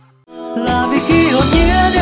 là vì khi